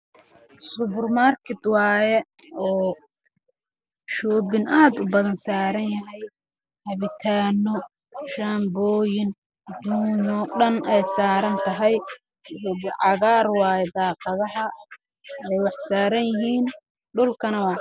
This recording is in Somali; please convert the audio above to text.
Waa suuq subarmaakeed ah oo ay yaalaan alaab nooc walba shaambo kareemo iyo waxyaabo badan